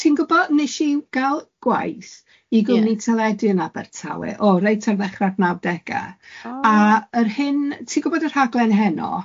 Ti'n gwybod wnesh i gael gwaith... Ie. ...i gwmni teledu yn Abertawe? O reit ar ddechrau'r nawdegau. O. A yr hyn ti'n gwybod y rhaglen heno?